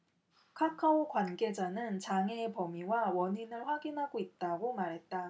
카카오 관계자는 장애의 범위와 원인을 확인하고 있다 고 말했다